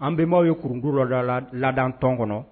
an bɛnenbaw yeurunkuruda la tɔn kɔnɔ